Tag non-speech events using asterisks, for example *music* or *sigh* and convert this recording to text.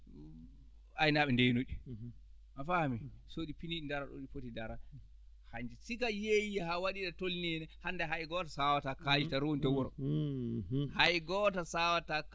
aynaaɓe ndeenoyi a faamii so ɗi pinii ɗi ndaroo ɗo ɗi poti daraade hay si ko a yehii haa waɗi ɗo tolnii hannde hay gooto sawataa kayit tan runta wuro *smacks lips* hay gooto sawataa